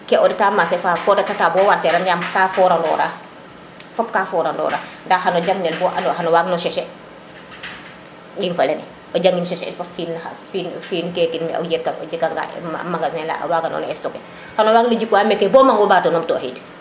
ko reta marcher fa ko reta ta bo wanteran yam ka forandora fop ka forandora nda xano jang nel bo xano waag no sechet ɗik fa lene a jangin sechet in qfi in na xa fi in gekin jeganga magazin la wagano stocker xano wago jik wa mene bo mangu ɓato num to xid